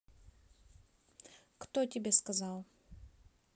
кто тебе сказал